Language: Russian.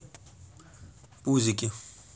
пузики